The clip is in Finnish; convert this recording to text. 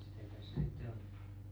niin kai se sitten on